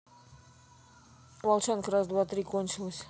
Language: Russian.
волчанка раз два три кончилась